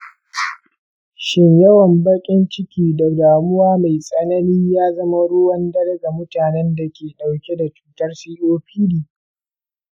shin yawan baƙin ciki da damuwa mai tsanani ya zama ruwan dare ga mutanen da ke ɗauke da cutar copd?